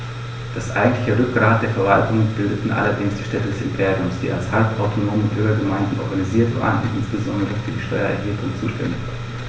Das eigentliche Rückgrat der Verwaltung bildeten allerdings die Städte des Imperiums, die als halbautonome Bürgergemeinden organisiert waren und insbesondere für die Steuererhebung zuständig waren.